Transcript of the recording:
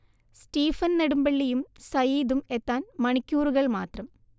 Stephen നെടുമ്ബളളിയും സയീദും എത്താൻ മണിക്കൂറുകൾ മാത്രം